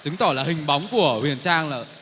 chứng tỏ là hình bóng của huyền trang là